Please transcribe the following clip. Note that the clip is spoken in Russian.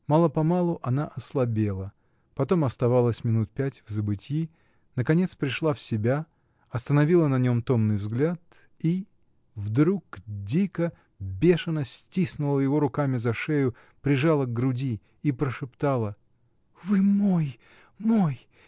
Мало-помалу она ослабела, потом оставалась минут пять в забытьи, наконец пришла в себя, остановила на нем томный взгляд и — вдруг дико, бешено стиснула его руками за шею, прижала к груди и прошептала: — Вы мой. мой!.